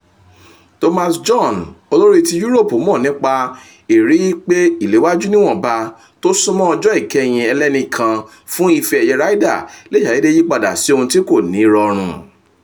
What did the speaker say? Thomas Bjorn, olórí tí yúrópù, mọ̀ nípa ìrírí pé ìléwájú níwọ́nba tó súnmọ́ ọjọ̀ ìkẹhìn ẹlẹ́nìkan fún Ìfe ẹ̀yẹ Ryder le ṣàdédé yí padà sí ohun tí kò ní rọrùn.